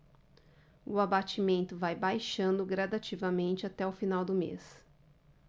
o abatimento vai baixando gradativamente até o final do mês